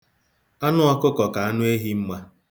Anụ ọkụkọ ka anụ ehi mma.